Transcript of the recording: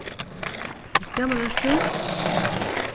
hvussu gamal ert tú